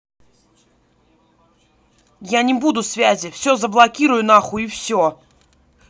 я не буду связи все разблокирую нахуй и все